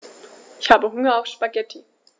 Ich habe Hunger auf Spaghetti.